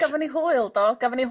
Gafon ni hwyl do gafon ni